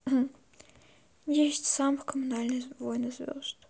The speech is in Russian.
десять самых коммунальные войны звезд